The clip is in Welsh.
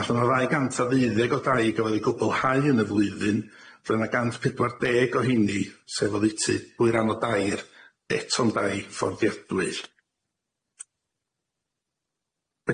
Allan o ddau gant a ddeuddeg o dai gyfodd i gwblhau yn y flwyddyn roedd 'na gant pedwar deg o heini sef oddeutu dwy ran o dair eto'n dai fforddiadwy.